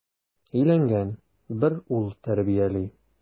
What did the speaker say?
Өйләнгән, бер ул тәрбияли.